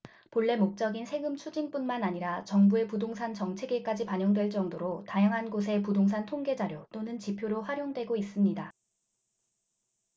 본래 목적인 세금추징뿐만 아니라 정부의 부동산 정책에까지 반영될 정도로 다양한 곳에 부동산 통계자료 또는 지표로 활용되고 있습니다